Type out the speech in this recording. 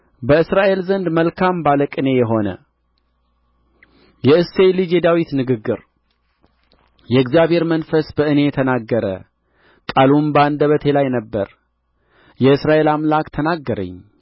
በእስራኤል ዘንድ መልካም ባለ ቅኔ የሆነ የእሴይ ልጅ የዳዊት ንግግር የእግዚአብሔር መንፈስ በእኔ ተናገረ ቃሉም በአንደበቴ ላይ ነበረ የእስራኤል አምላክ ተናገረኝ